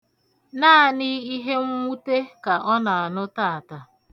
Naanị ihe nnwute ka ọ na-anụ taata.